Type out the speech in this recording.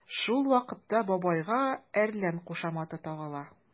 Шул вакытта бабайга “әрлән” кушаматы тагыла.